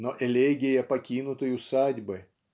но элегия покинутой усадьбы